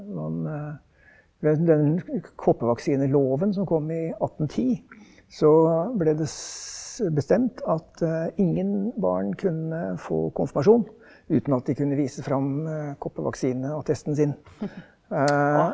man vet den koppervaksineloven som kom i 1810 så ble det bestemt at ingen barn kunne få konfirmasjon uten at de kunne vise frem koppervaksineattesten sin .